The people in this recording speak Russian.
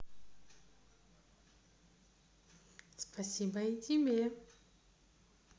спасибо и тебе